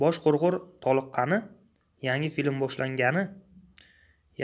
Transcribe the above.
bosh qurg'ur toliqqani yangi film boshlangani